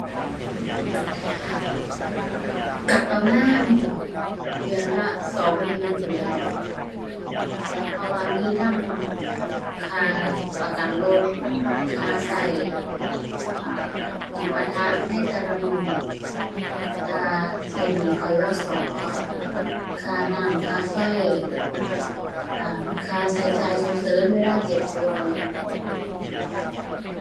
ก็ประมาณเดือนละสองหมื่นพู้นแหล้ว เพราะว่ามีทั้งค่าประกันรถ ค่าก็ อ่า จิปาถะในแต่ละมื้อ ค่าก็หนี้ กยศ. ค่าน้ำค่าไฟ อ่า ค่าก็จ่ายฉุกเฉินเวลาเจ็บป่วย